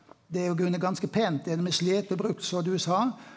det er jo i grunnen et ganske pent men slite brukt som du sa.